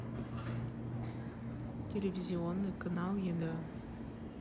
телевизионный канал еда